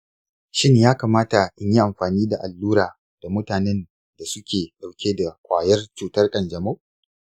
shin ya kamata in yi amfani da allura da mutanen da suke ɗauke da ƙwayar cutar kanjamau?